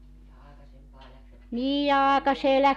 ja aikaisempaan lähtivät töihin ja